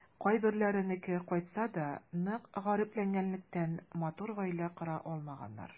Кайберләренеке кайтса да, нык гарипләнгәнлектән, матур гаилә кора алмаганнар.